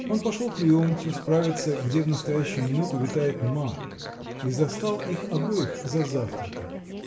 Он пошел к Леонтью справиться, где в настоящую минуту витает Марк, и застал их обоих за завтраком.